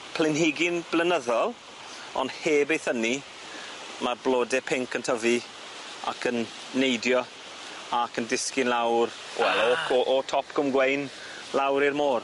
planhigyn blynyddol, on' heb ei thynnu ma blode pinc yn tyfu, ac yn neidio, ac yn disgyn lawr, wel... A!. ...o co- o top Cwm Gweun, lawr i'r môr.